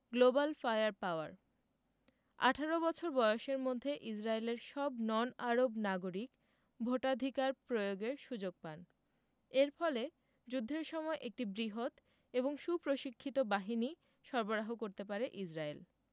global fire power ১৮ বছর বয়সের মধ্যে ইসরায়েলের সব নন আরব নাগরিক ভোটাধিকার প্রয়োগের সুযোগ পান এর ফলে যুদ্ধের সময় একটি বৃহৎ এবং সুপ্রশিক্ষিত বাহিনী সরবরাহ করতে পারে ইসরাইল